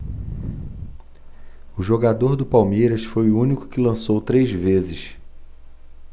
o jogador do palmeiras foi o único que lançou três vezes